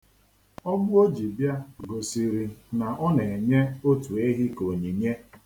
Ọgbụ o ji bịa gosiri na ọ na-enye otu ehi ka onyinye.